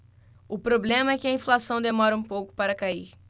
o problema é que a inflação demora um pouco para cair